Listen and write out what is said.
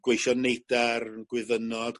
gweision neidar gwyddynod